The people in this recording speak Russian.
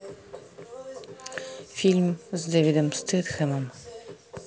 фильм с дэвидом стетхемом